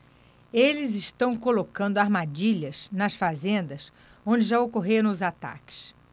eles estão colocando armadilhas nas fazendas onde já ocorreram os ataques